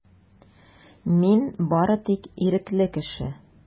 Мин бары тик ирекле кеше.